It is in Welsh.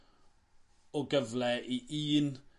o gyfle i un